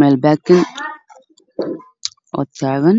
Waxaa ii muuqda bisad midabkeedu yahay jaarna iyo caddaan oo meel taagan oo